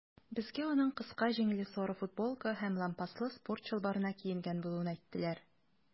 Безгә аның кыска җиңле сары футболка һәм лампаслы спорт чалбарына киенгән булуын әйттеләр.